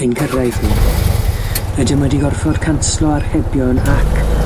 ein cyrraedd, ni. Rydym wedi gorfod canslo archebion ac